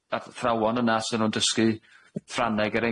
yy athrawon yna sydd yn dysgu Ffrangeg er